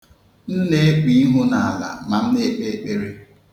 M na-ekpu ihu n'ala ma m na-ekpe ekpere.